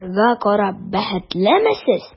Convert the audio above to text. Аларга карап бәхетлеме сез?